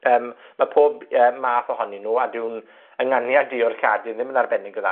Yym, ma' pob yym math ohonyn nw, a dyw'n ynganiad i o'r Lladin ddim yn arbennig o dda.